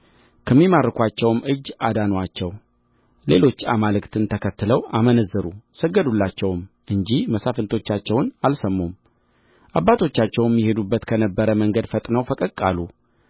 ከሚማርኩአቸውም እጅ አዳኑአቸው ሌሎች አማልክትን ተከትለው አመነዘሩ ሰገዱላቸውም እንጂ መሳፍንቶቻቸውን አልሰሙም አባቶቻቸውም ይሄዱበት ከነበረ መንገድ ፈጥነው ፈቀቅ አሉ